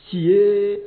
Nse